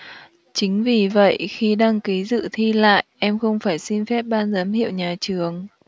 chính vì vậy khi đăng ký dự thi lại em không phải xin phép ban giám hiệu nhà trường